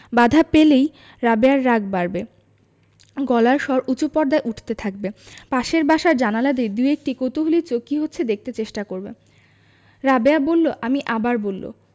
বাধা পেলেই রাবেয়ার রাগ বাড়বে গলার স্বর উচু পর্দায় উঠতে থাকবে পাশের বাসার জানালা দিয়ে দুএকটি কৌতুহলী চোখ কি হচ্ছে দেখতে চেষ্টা করবে রাবেয়া বললো আমি আবার বলল